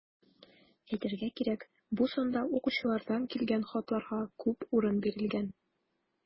Әйтергә кирәк, бу санда укучылардан килгән хатларга күп урын бирелгән.